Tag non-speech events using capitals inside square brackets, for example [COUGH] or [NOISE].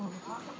[HESITATION] [HESITATION]